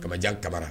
Kamajan kamara